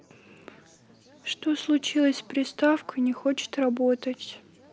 что случилось с приставкой не хочет работать